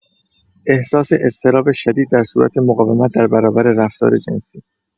احساس اضطراب شدید در صورت مقاومت در برابر رفتار جنسی